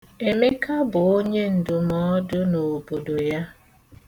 Emeka bụ onyendụmọdụ n'obodo ya.